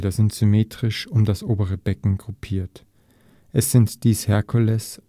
sind symmetrisch um das obere Becken gruppiert. Es sind dies: Herkules